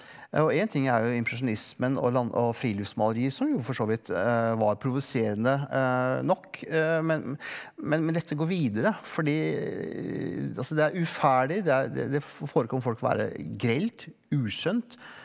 og en ting er jo impresjonismen og land og friluftsmalerier som jo for så vidt var provoserende nok men men men dette går videre fordi altså det er uferdig det er det det forekommer folk å være grelt uskjønt.